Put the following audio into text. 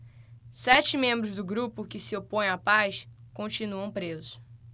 sete membros do grupo que se opõe à paz continuam presos